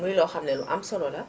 muy loo xam ne lu am solo la